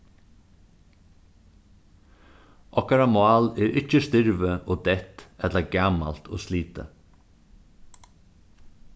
okkara mál er ikki stirvið og deytt ella gamalt og slitið